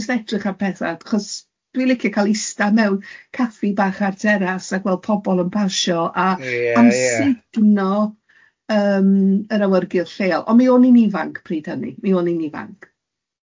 jyst yn edrych ar pethau, cys dwi'n licio cal ista mewn caffi bach ar terrace a gweld pobl yn pasio a... ia ia. ... amsugno yym yr awyrgyl lleol, ond mi o'n i'n ifanc pryd hynny, mi o'n i'n ifanc.